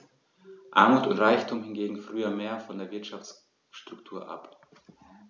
Armut und Reichtum hingen früher mehr von der Wirtschaftsstruktur ab.